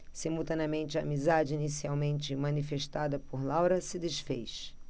simultaneamente a amizade inicialmente manifestada por laura se disfez